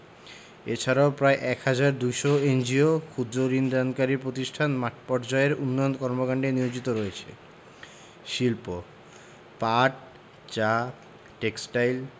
এছাড়াও প্রায় ১ হাজার ২০০ এনজিও ক্ষুদ্র্ ঋণ দানকারী প্রতিষ্ঠান মাঠপর্যায়ের উন্নয়ন কর্মকান্ডে নিয়োজিত রয়েছে শিল্পঃ পাট চা টেক্সটাইল